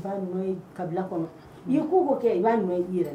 Ka taa ninnu ye kabila kɔnɔ , y ko o ko kɛ i b'a nɔ ye i yɛrɛ la.